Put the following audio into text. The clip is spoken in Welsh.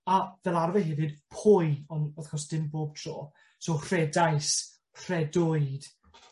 A fel arfer hefyd, pwy, ond wrth gwrs dim bob tro. So rhedais, rhedwyd,